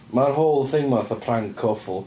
Maer whole thing 'ma fatha prank awful.